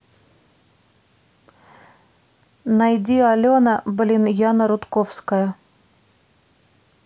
найди алена блин яна рудковская